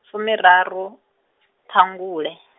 fumiraru , ṱhangule.